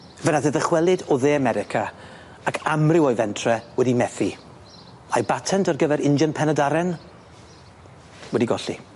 Fe nath e ddychwelyd o dde America, ac amryw o'i fentre wedi methu, a'i batent ar gyfer Injian Pen-y-Darren, wedi golli.